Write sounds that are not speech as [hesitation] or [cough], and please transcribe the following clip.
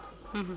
[hesitation] [hesitation]